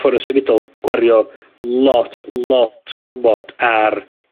ffône symudol gwario lot lot gormod ar